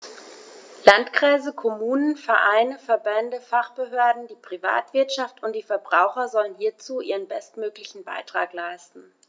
Landkreise, Kommunen, Vereine, Verbände, Fachbehörden, die Privatwirtschaft und die Verbraucher sollen hierzu ihren bestmöglichen Beitrag leisten.